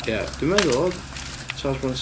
Ie dwi'n meddwl odd Charles Bronson yn...